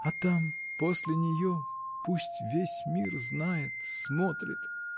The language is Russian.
А там, после нее, — пусть весь мир знает, смотрит!.